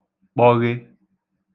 kpọghe